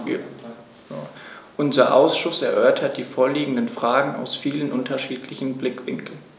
Unser Ausschuss erörtert die vorliegenden Fragen aus vielen unterschiedlichen Blickwinkeln.